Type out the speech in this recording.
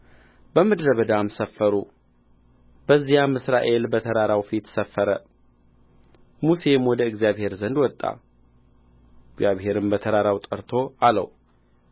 በምድረ በዳም ሰፈሩ በዚያም እስራኤል በተራራው ፊት ሰፈረ ሙሴም ወደ እግዚአብሔር ዘንድ ወጣ እግዚአብሔርም በተራራው ጠርቶ አለው